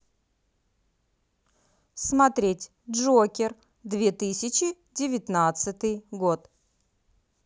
смотреть джокер две тысячи девятнадцатый год